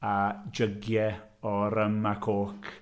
A jygiau o rym a coke.